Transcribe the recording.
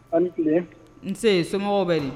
Hali tile nse somɔgɔw bɛri